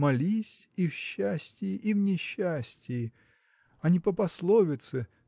молись и в счастии и в несчастии, а не по пословице